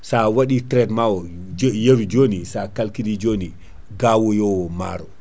sa waɗi traitement o joni yeeru joni sa calcule li joni gawoyowa maaro